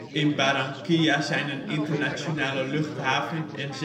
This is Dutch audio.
In Barranquilla zijn een internationale luchthaven en